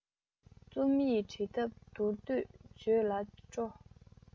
རྩོམ ཡིག འབྲི ཐབས མདོར བསྡུས བརྗོད ལ སྤྲོ